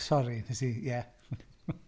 Sori, wnes i... Ie